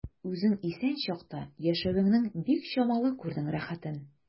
Үзең исән чакта яшәвеңнең бик чамалы күрдең рәхәтен.